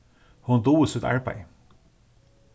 hon dugir sítt arbeiði